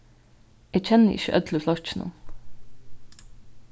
eg kenni ikki øll í flokkinum